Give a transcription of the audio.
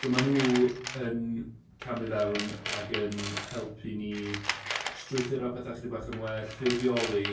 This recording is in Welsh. Dyma nhw yn camu fewn ac yn helpu ni strwythuro petha chydig bach yn well, ffurfioli.